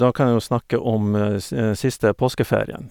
Da kan jeg jo snakke om s siste påskeferien.